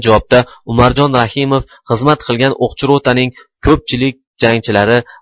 javobda umarjon rahimov xizmat qilgan o'qchi rotaning ko'pchilik jangchilari